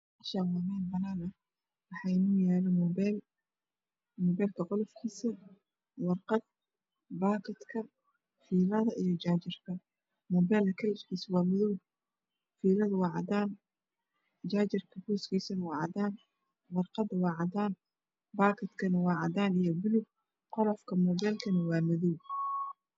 Halkan waxaa yaal miis midabkiisu yahay jaalle, waxaa dul saaran moobil midabkiisu yahay madow galku moobilka waa madow, halka boxka moobilka ku sawiran yahay moobil buluug ah. Waxa kale oo yaal charger cad iyo warqad caadan ah.